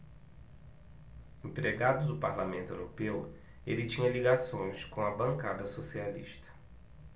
empregado do parlamento europeu ele tinha ligações com a bancada socialista